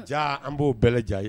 Jaa an b'o bɛɛ ye